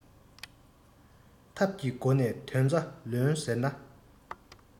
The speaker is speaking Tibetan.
ཐབས ཀྱི སྒོ ནས དོན རྩ ལོན ཟེར ན